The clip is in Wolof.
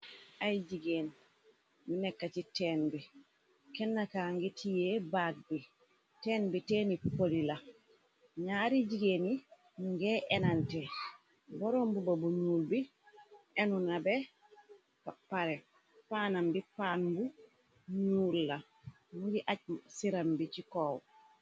Ay jigéen nekka ci tenn bi kennka ngi tiyée baag bi tenn bi teeni poli la ñaari jigéen yi ngee enante borombuba bu ñuul bi enuna be pare faanam bi pànbu ñuul la muji aj siram bi ci koow.